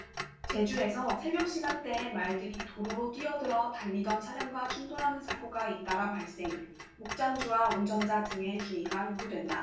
제주에서 새벽시간대에 말들이 도로로 뛰어들어 달리던 차량과 충돌하는 사고가 잇따라 발생 목장주와 운전자 등의 주의가 요구된다